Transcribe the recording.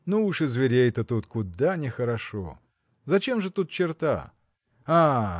– Ну, уж зверей-то тут куда нехорошо! Зачем же тут черта? А!